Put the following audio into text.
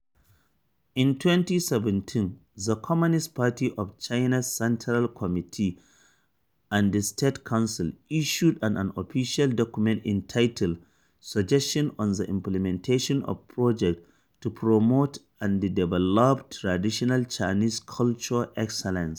In 2017, the Communist Party of China's central committee and state council issued an official document entitled "Suggestions on the implementation of projects to promote and develop traditional Chinese culture excellence".